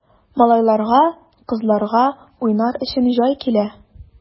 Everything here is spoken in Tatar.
Малайларга, кызларга уйнар өчен җай килә!